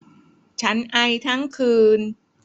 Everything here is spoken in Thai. ฉันไอทั้งคืน